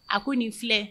A ko nin filɛ